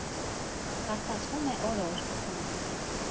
Կարդացվում է «օրոր» ֊ խմբ.